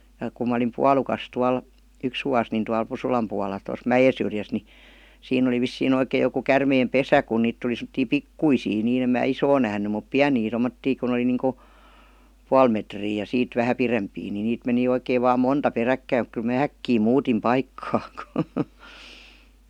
ja kun minä olin puolukassa tuolla yksi vuosi niin tuolla Pusulan puolella tuossa mäensyrjässä niin siinä oli vissiin oikein joku käärmeen pesä kun niitä tuli semmoisia pikkuisia niin en minä isoa nähnyt mutta pieniä tuommoisia kun oli niin kuin puoli metriä ja siitä vähän pidempiä niin niitä meni oikein vain monta peräkkäin mutta kyllä minä äkkiä muutin paikkaa